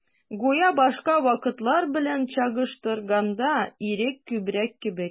Гүя башка вакытлар белән чагыштырганда, ирек күбрәк кебек.